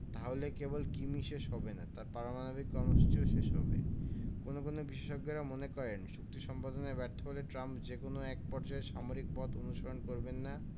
তাহলে কেবল কিমই শেষ হবে না তাঁর পারমাণবিক কর্মসূচিও শেষ হবে কোনো কোনো বিশেষজ্ঞেরা মনে করেন চুক্তি সম্পাদনে ব্যর্থ হলে ট্রাম্প যে কোনো একপর্যায়ে সামরিক পথ অনুসরণ করবেন না